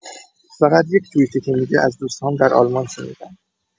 فقط یک توییته که می‌گه از دوست‌هام در آلمان شنیدم.